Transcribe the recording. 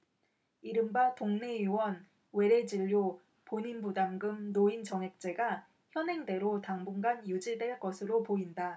이른바 동네의원 외래진료 본인부담금 노인정액제가 현행대로 당분간 유지될 것으로 보인다